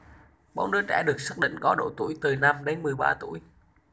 bốn đứa trẻ được xác định có độ tuổi từ năm đến mười ba tuổi